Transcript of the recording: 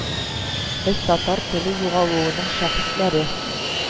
"без - татар теле югалуының шаһитлəре